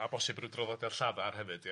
a bosib ryw draddodiad llafar hefyd ia.